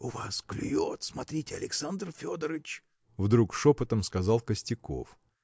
– У вас клюет, смотрите, Александр Федорыч! – вдруг шепотом сказал Костяков.